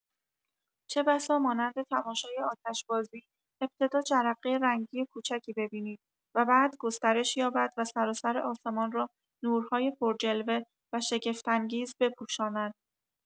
چه‌بسا مانند تماشای آتش‌بازی، ابتدا جرقه رنگی کوچکی ببینید و بعد گسترش یابد و سراسر آسمان را نورهای پرجلوه و شگفت‌انگیز بپوشاند.